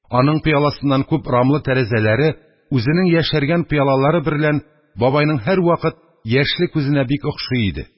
Аның пыяласыннан күп рамлы тәрәзәләре үзенең яшәргән пыялалары берлән бабайның һәрвакыт яшьле күзенә бик охшый иде.